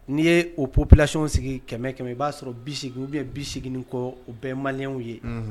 N'i ye o p psiyw sigi kɛmɛ kɛmɛ i b'a sɔrɔ bi sigi u bɛ bi sigi kɔ o bɛɛ maw ye